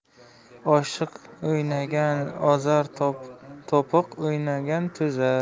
oshiq o'ynagan ozar to'piq o'ynagan to'zar